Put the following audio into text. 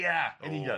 Ie, yn union.